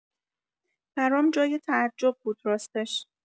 برام جای تعجب بود راستش